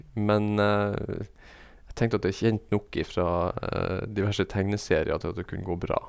Men jeg tenkte at det er kjent nok ifra diverse tegneserier til at det kunne gå bra.